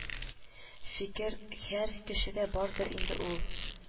Фикер һәр кешедә бардыр инде ул